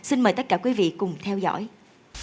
xin mời tất cả quý vị cùng theo dõi